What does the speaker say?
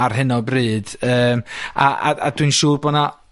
ar hyn o bryd. Yym a a a dwi'n siŵr bo' 'na